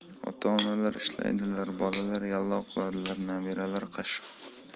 ota onalar ishlaydilar bolalar yallo qiladilar nabiralar qashshoq